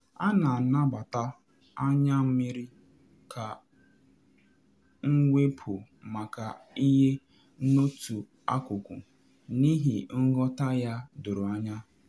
A na anabata anya mmiri ka mwepu maka iwe n'otu akụkụ n’ihi nghọta ya doro anya.